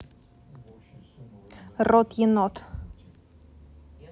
рот енот